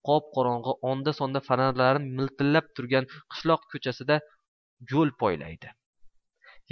qop qorong'i onda sonda fonarlari miltillab turgan qishloq ko'chasida yo'l poylaydi